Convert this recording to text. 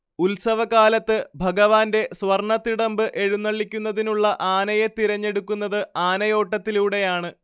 ഉത്സവകാലത്ത് ഭഗവാന്റെ സ്വർണ്ണതിടമ്പ് എഴുന്നള്ളിക്കുന്നതിനുള്ള ആനയെ തിരഞ്ഞെടുക്കുന്നത് ആനയോട്ടത്തിലൂടെയാണ്